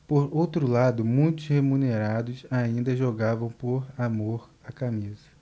por outro lado muitos remunerados ainda jogavam por amor à camisa